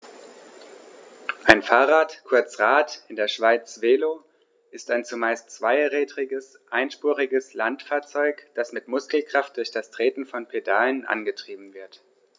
Ein Fahrrad, kurz Rad, in der Schweiz Velo, ist ein zumeist zweirädriges einspuriges Landfahrzeug, das mit Muskelkraft durch das Treten von Pedalen angetrieben wird.